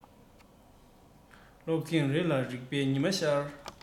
ཀློག ཐེངས རེ ལ རིག པའི ཉི མ ཤར